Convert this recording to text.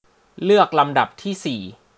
เลือกลำดับที่สี่